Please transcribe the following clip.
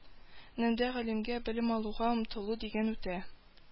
Нендә гыйлемгә, белем алуга омтылу дигән үтә